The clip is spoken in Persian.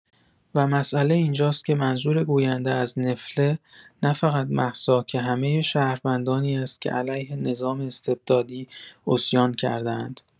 و مساله اینجاست که منظور گوینده از «نفله»، نه‌فقط مهسا که همه شهروندانی است که علیه نظم استبدادی عصیان کرده‌اند.